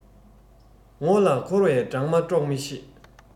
ངོ ལ འཁོར བའི སྦྲང མ དཀྲོག མི ཤེས